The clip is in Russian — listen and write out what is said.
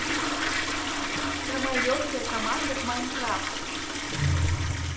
самая легкая команда в minecraft